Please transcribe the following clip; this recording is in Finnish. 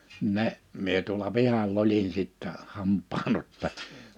ne minä tuolla pihalla olin sitten hampaan ottaja